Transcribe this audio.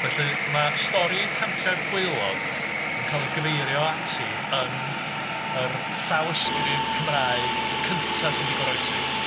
Felly mae stori'r Cantre'r Gwaelod yn cael ei gyfeirio at'i yn yr llawysgrif Cymraeg cynta sydd wedi goroesi